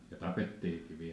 ja tapettiinkin vielä